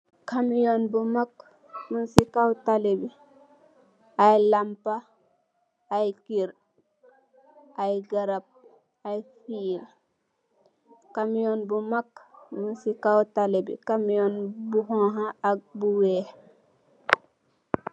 Kamiyoñg bu mag muñg si kow tali bi, ay laampu, ay kér, ay garab, ay kér. Kamiyoñg bu mag, muñg si kow tali bi. Kamiyoñg bu xoñga ak bu weex.